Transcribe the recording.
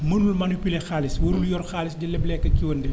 mënul manipulé xaalis warul yor xaalis di leble ak a kiiwante